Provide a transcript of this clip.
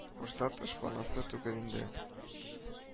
Форштадт ышпанасы түгел инде